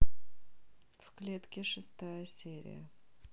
в клетке шестая серия